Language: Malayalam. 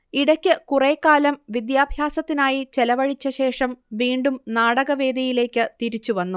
ഇടയ്ക്ക് കുറേക്കാലം വിദ്യാഭ്യാസത്തിനായി ചെലവഴിച്ചശേഷം വീണ്ടും നാടകവേദിയിലേക്ക് തിരിച്ചുവന്നു